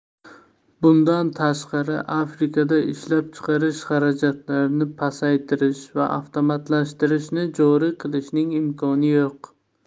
bundan tashqari afrikada ishlab chiqarish xarajatlarini pasaytirish va avtomatlashtirishni joriy qilishning imkoni yo'q